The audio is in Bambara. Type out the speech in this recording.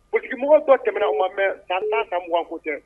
Politikimɔgɔw dɔ tɛmɛna ma o ma mɛn, san 10 san 20 ko tɛ.